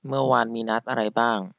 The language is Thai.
เมื่อวานมีนัดอะไรบ้าง